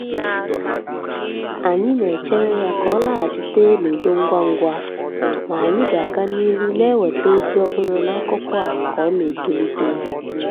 Anyị na-echeere ya ka ọ laghachite n'udo ngwangwa, ma anyị ga-aga n'ihu na-eweta ozi ọhụrụ n'akụkọ a ka ọ na-etolite.